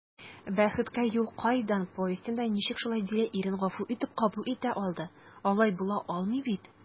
«бәхеткә юл кайдан» повестенда ничек шулай дилә ирен гафу итеп кабул итә алды, алай була алмый бит?»